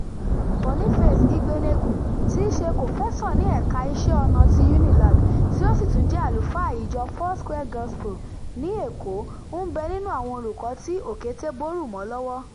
Boniface Igbeneghu, tí í ṣe kòfẹ́sọ̀ ní ẹ̀ka iṣẹ́ ọnà ti UNILAG, tí ó sì tún jẹ́ àlùfáà Ìjọ Foursquare Gospel, ní Èkó, ń bẹ nínú àwọn olùkọ́ tí òkété bórù mọ́ lọ́wọ́.